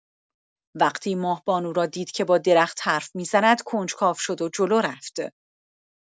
وقتی ماه‌بانو را دید که با درخت حرف می‌زند، کنجکاو شد و جلو رفت.